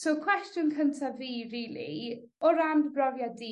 So cwestiwn cyntaf fi rili o ran dy brofiad di...